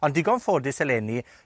Ond digon ffodus eleni,